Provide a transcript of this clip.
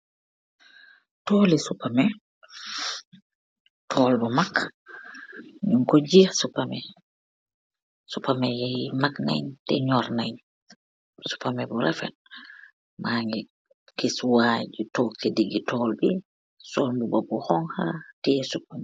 goor bu nehka ce toli supameng.